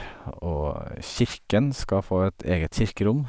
Og kirken skal få et eget kirkerom.